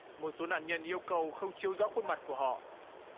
một số nạn nhân yêu cầu không chiếu rõ khuôn mặt của họ